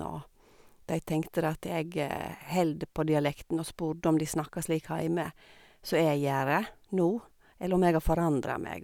Og de tenkte det at jeg holder på dialekten, og spurte om de snakka slik heime som jeg gjør, nå, eller om jeg har forandra meg.